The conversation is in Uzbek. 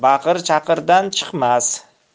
baqir chaqirdan chiqmas